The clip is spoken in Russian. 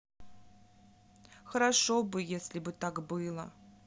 хорошо бы если бы так было